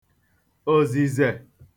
òzìzè